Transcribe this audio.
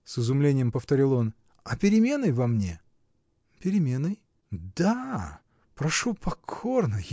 — с изумлением повторил он, — а переменой во мне? — Переменой? — Да! Прошу покорно!